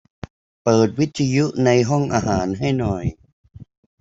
เปิดวิทยุในห้องอาหารให้หน่อย